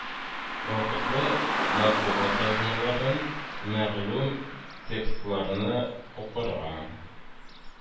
Вакытлы матбугат язмаларын, мəгълүм текстларны укырга